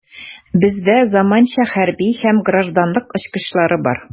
Бездә заманча хәрби һәм гражданлык очкычлары бар.